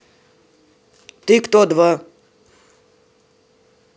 ты кто два